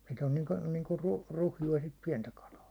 sitten on niin kuin niin kuin - ruhjua sitten pientä kalaa